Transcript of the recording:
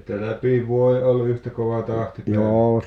että läpi vuoden oli yhtä kova tahti päällä